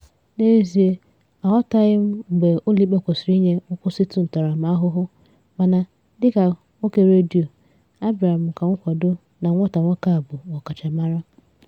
N'ezie aghọtaghị m mgbe ụlọikpe kwesịrị inye nkwụsịtụ ntaramahụhụ mana, dịka nwoke redio, a bịara m ka m kwado na nwata nwoke a bụ ọkachamara."